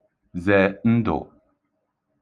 zè ndụ̀